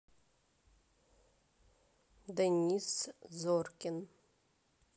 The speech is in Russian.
денис зоркин